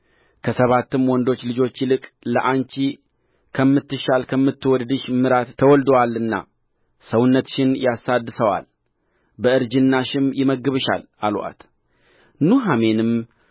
ከሰባትም ወንዶች ልጆች ይልቅ ለአንቺ ከምትሻል ከምትወድድሽ ምራት ተወልዶአልና ሰውነትሽን ያሳድሰዋል በእርጅናሽም ይመግብሻል አሉአት ኑኃሚንም